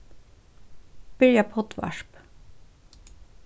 byrja poddvarp